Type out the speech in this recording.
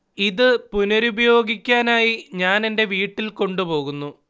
ഇത് പുനരുപയോഗിക്കാനായി ഞാൻ എന്റെ വീട്ടിൽ കൊണ്ട് പോകുന്നു